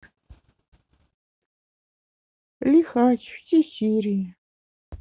лихач все серии